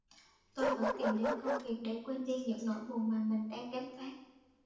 tôi vẫn tìm đến công việc để quên đi những nỗi buồn mà mình đang gánh vác